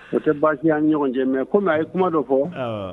O tɛ baasiya ɲɔgɔn cɛ mɛ komi a ye kuma dɔ fɔ